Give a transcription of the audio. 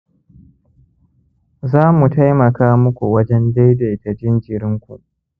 za mu taimaka muku wajen dai-daita jinjirin ku